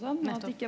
nettopp